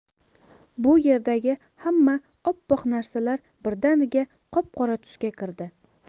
bu yerdagi hamma oppoq narsalar birdaniga qop qora tusga kirdi